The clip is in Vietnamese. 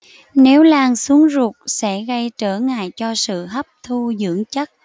nếu lan xuống ruột sẽ gây trở ngại cho sự hấp thu dưỡng chất